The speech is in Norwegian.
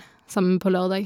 Samme på lørdag.